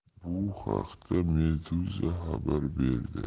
bu haqda meduza xabar berdi